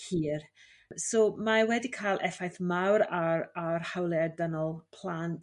hir so mae wedi ca'l effaith mawr ar ar hawliau dynol plant